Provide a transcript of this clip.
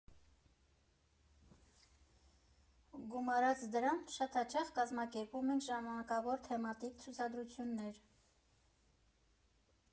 Գումարած դրան, շատ հաճախ կազմակերպում ենք ժամանակավոր թեմատիկ ցուցադրություններ։